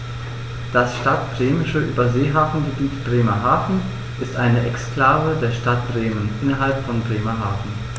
Das Stadtbremische Überseehafengebiet Bremerhaven ist eine Exklave der Stadt Bremen innerhalb von Bremerhaven.